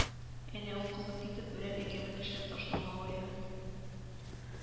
Әнә ул, кызып китеп, берәр әкәмәт эшләп ташламагае